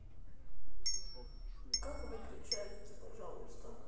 как выиграть шарики пожалуйста